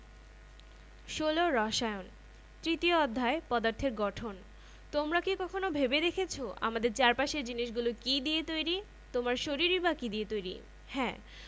কোনো বৈজ্ঞানিক পরীক্ষা দিয়ে এটি প্রমাণ করা সম্ভব হয়নি বলে এটি কোনো গ্রহণযোগ্যতা পায়নি অবশেষে ১৮০৩ সালে ব্রিটিশ বিজ্ঞানী জন ডাল্টন বিভিন্ন পরীক্ষায় প্রাপ্ত ফলাফলের উপর ভিত্তি করে পরমাণু সম্পর্কে একটি মতবাদ দেন যে